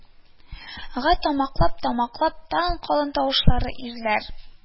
Га, такмаклап-такмаклап, тагын калын тавышлы ирләр